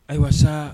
Ayiwa sa